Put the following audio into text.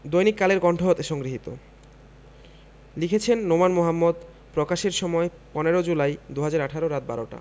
দৈনিক কালের কন্ঠ হতে সংগৃহীত লিখেছেন নোমান মোহাম্মদ প্রকাশের সময় ১৫ জুলাই ২০১৮ রাত ১২ টা